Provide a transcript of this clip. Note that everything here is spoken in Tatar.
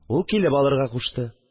Ул килеп алырга кушты